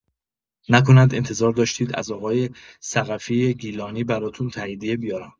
نکند انتظار داشتید از آقای ثقفی گیلانی براتون تاییدیه بیارم؟